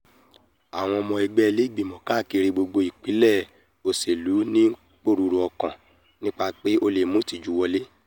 Àwọn ϙmϙ ẹgbẹ́ ilé ìgbìmọ̀ káàkiri gbogbo ìpele òṣèlú ń ní ìpòrúru-ọkàn nípa pe ó lè mú ìtìjú wọlé.